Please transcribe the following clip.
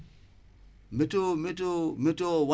météo météo météo